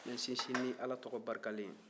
n bɛ n sinsin ni ala tɔgɔ barikalen ye